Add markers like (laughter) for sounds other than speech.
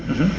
(hesitation) (hesitation)